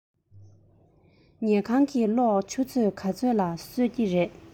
ཉལ ཁང གི གློག ཆུ ཚོད ག ཚོད ལ གསོད ཀྱི རེད